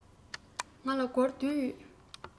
ང ལ སྒོར བདུན ཡོད